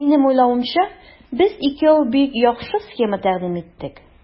Минем уйлавымча, без икәү бик яхшы схема тәкъдим иттек.